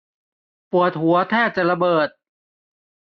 ปวดหัวแทบจะระเบิด